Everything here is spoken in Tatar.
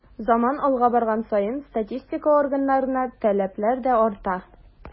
Заман алга барган саен статистика органнарына таләпләр дә арта.